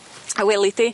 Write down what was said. A weli di